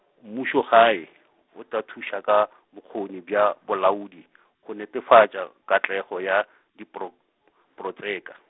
mmušogae, o tla thuša ka, bokgoni bja bolaodi, go netefatša katlego ya, dipro-, -protšeke.